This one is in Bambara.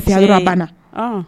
faaya yɔrɔ